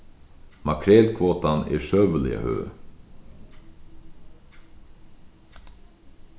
makrelkvotan er søguliga høg